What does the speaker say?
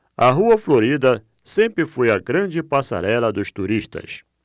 a rua florida sempre foi a grande passarela dos turistas